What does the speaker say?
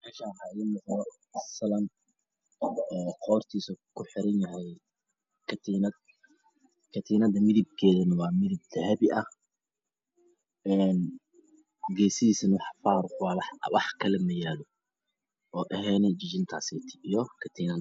Meshan waxaa iga muuqdo salan oo qortisa kujiro katiin oo dahabi ah